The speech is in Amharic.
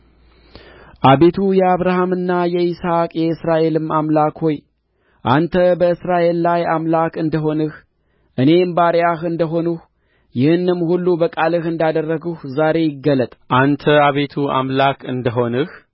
አቤቱ የአብርሃምና የይስሐቅ የእስራኤልም አምላክ ሆይ አንተ በእስራኤል ላይ አምላክ እንደ ሆንህ እኔም ባሪያህ እንደ ሆንሁ ይህንም ሁሉ በቃልህ እንዳደረግሁ ዛሬ ይገለጥ አንተ አቤቱ አምላክ እንደ ሆንህ